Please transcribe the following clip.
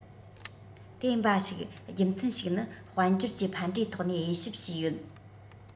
དེ འབའ ཞིག རྒྱུ མཚན ཞིག ནི དཔལ འབྱོར གྱི ཕན འབྲས ཐོག ནས དབྱེ ཞིབ བྱས ཡོད